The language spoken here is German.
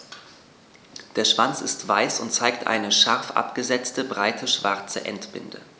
Der Schwanz ist weiß und zeigt eine scharf abgesetzte, breite schwarze Endbinde.